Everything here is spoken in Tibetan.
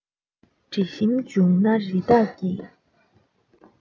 དྲི ཞིམ འབྱུང ན རི དྭགས ཀྱི